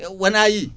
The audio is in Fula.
ew wona yii